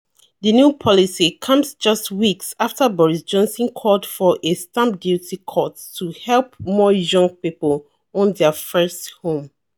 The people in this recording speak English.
The new policy comes just weeks after Boris Johnson called for a stamp duty cut to help more young people own their first home.